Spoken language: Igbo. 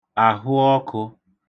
àhụọkụ̄